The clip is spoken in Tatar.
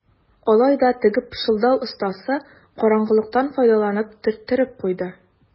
Алай да теге пышылдау остасы караңгылыктан файдаланып төрттереп куйды.